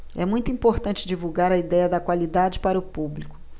é muito importante divulgar a idéia da qualidade para o público